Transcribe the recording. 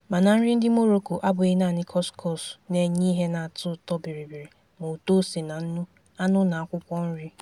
Mana nri ndị Morocco abụghị naanị kuskus, na-enye ihe na-atọ ụtọ biribiri ma ụtọ ose na nnu, anụ na akwụkwọ nrị.